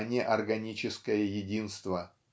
а не органическое единство.